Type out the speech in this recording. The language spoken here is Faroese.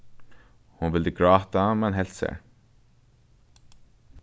hon vildi gráta men helt sær